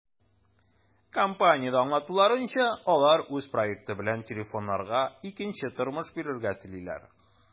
Компаниядә аңлатуларынча, алар үз проекты белән телефоннарга икенче тормыш бирергә телиләр.